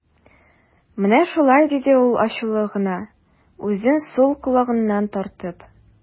Менә шулай, - диде ул ачулы гына, үзен сул колагыннан тартып.